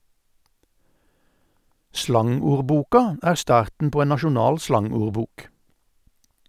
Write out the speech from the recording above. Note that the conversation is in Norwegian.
Slangordboka er starten på en nasjonal slangordbok.